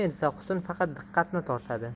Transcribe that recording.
etsa husn faqat diqqatni tortadi